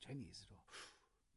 Chinese ydw.